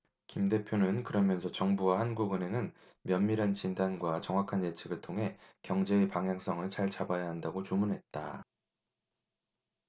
김 대표는 그러면서 정부와 한국은행은 면밀한 진단과 정확한 예측을 통해 경제의 방향성을 잘 잡아야 한다고 주문했다